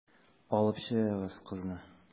Алып чыгыгыз кызны.